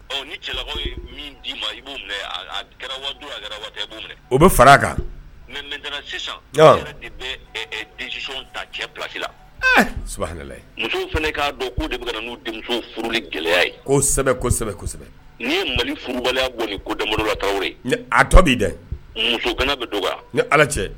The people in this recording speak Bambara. O fara kan muso fana k'a k' de n'u denmuso gɛlɛya ye kosɛbɛsɛbɛsɛbɛ ni ye malibaliya ko damo la a tɔ bɛ dɛ muso bɛ don ala cɛ